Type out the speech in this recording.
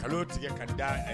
Kalon tigɛ ka da